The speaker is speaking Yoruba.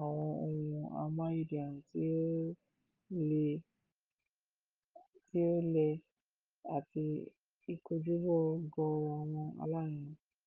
àwọn ohun amáyédẹrùn tí ó lẹ àti ìkojúbọ̀ ọ̀gọ̀ọ̀rọ̀ àwọn alárinà...